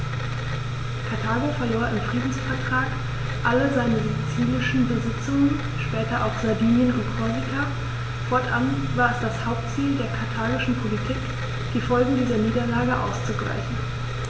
Karthago verlor im Friedensvertrag alle seine sizilischen Besitzungen (später auch Sardinien und Korsika); fortan war es das Hauptziel der karthagischen Politik, die Folgen dieser Niederlage auszugleichen.